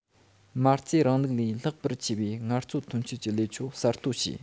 མ རྩའི རིང ལུགས ལས ལྷག པར ཆེ བའི ངལ རྩོལ ཐོན སྐྱེད ཀྱི ལས ཆོད གསར གཏོད བྱས